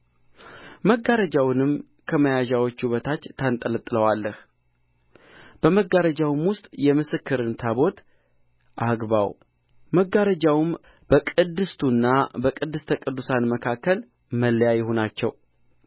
መጋረጃውንም ከመያዣዎቹ በታች ታንጠለጥለዋለህ በመጋረጃውም ውስጥ የምስክርን ታቦት አግባው መጋረጃውም በቅድስቱና በቅድስተ ቅዱሳኑ መካከል መለያ ይሁናችሁ